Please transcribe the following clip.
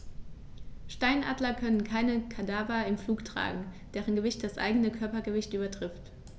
Steinadler können keine Kadaver im Flug tragen, deren Gewicht das eigene Körpergewicht übertrifft.